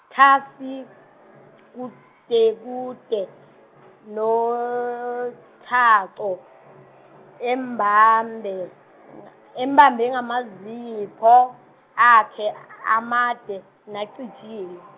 thasi kudekude no- Thaco embambe nga- embambe ngamazipho akhe a- amade nacijile.